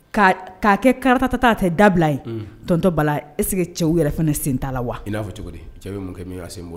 Ka'a kɛ karatata tɛ dabila yen tɔnontɔ bala ese cɛw yɛrɛ fana sen ta la wa i'a fɔ cogo di cɛ mun' sen bɔ